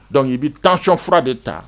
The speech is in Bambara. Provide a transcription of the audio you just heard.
Donc i be tension fura de ta